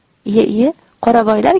iye iye qoravoylar